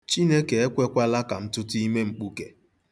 Chineke ekwekwala ka m tụta imemkpuke.